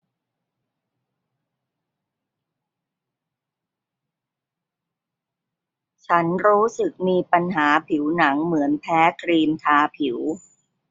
ฉันรู้สึกมีปัญหาผิวหนังเหมือนแพ้ครีมทาผิว